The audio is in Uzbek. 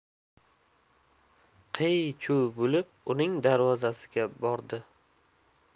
qiy chuv bo'lib uning darvozasiga bordi